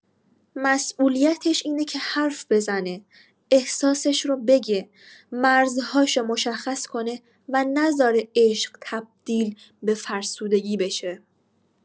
مسئولیتش اینه که حرف بزنه، احساسش رو بگه، مرزهاشو مشخص کنه و نذاره عشق تبدیل به فرسودگی بشه.